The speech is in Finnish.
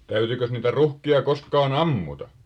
Täytyikös niitä ruuhkia koskaan ampua